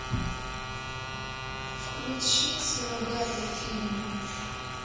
включи суррогаты фильм